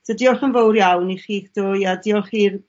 So diolch yn fowr iawn i chi'ch dwy a diolch i'r